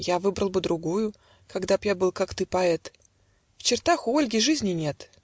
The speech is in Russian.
- "Я выбрал бы другую, Когда б я был, как ты, поэт. В чертах у Ольги жизни нет.